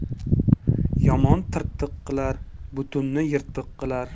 yomon tirtiq qilar butunni yirtiq qilar